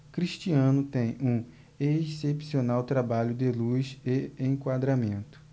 cristiano tem um excepcional trabalho de luz e enquadramento